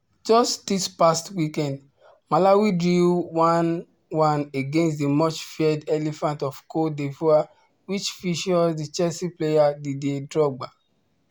Just this past weekend, Malawi drew 1-1 against the much feared Elephants of Cote d'Ivoire which features the Chelsea player Didier Drogba.